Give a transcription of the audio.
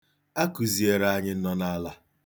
A kụziere anyị nnọnaala.